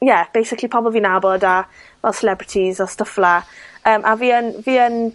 ie, basically pobol fi'n nabod a fel celebrities a stwff fela, yym a fi yn fi yn